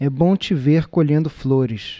é bom te ver colhendo flores